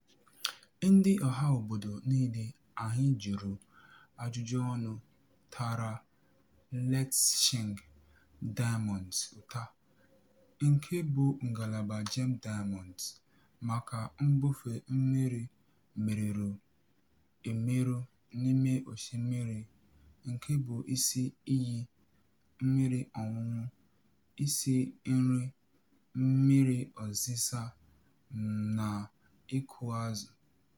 Ndị ọhaobodo niile anyị juru ajụjụọnụ tara Letšeng Diamonds ụta — nke bụ ngalaba Gem Diamonds — maka mbufe mmiri merụrụ emerụ n'ime osimiri nke bụ isi iyi mmiri ọṅụṅụ, isi nri, mmiri ọsịsa na ịkụ azụ.